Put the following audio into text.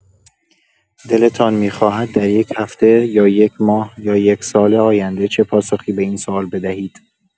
دلتان می‌خواهد دریک هفته یا یک ماه یا یک سال آینده چه پاسخی به این سوال بدهید؟